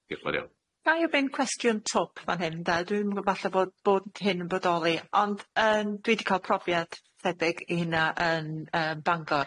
Diolch yn fawr iawn. Gai ofyn cwestiwn twp fan hyn 'de, dwi'm yn gwbo falle bod bod hyn yn bodoli ond, yn dwi di ca'l profiad thebyg i hynna yn yy Bangor.